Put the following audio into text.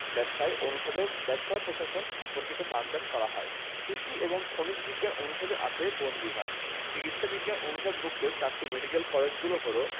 ব্যবসায় অনুষদে ব্যবসায় প্রশাসন সম্পর্কিত পাঠদান করা হয় কৃষি এবং খনিজ বিজ্ঞান অনুষদে আছে বন বিভাগ চিকিৎসা বিজ্ঞান অনুষদভুক্ত চারটি মেডিকেল কলেজ হলো